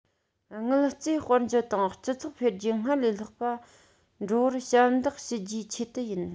དངུལ རྩས དཔལ འབྱོར དང སྤྱི ཚོགས འཕེལ རྒྱས སྔར ལས ལྷག པ འགྲོ བར ཞབས འདེགས ཞུ རྒྱུའི ཆེད དུ ཡིན